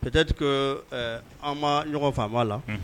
Keti an ma ɲɔgɔn faama la